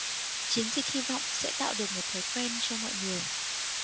chiến dịch hy vọng sẽ tạo được một thói quen cho mọi người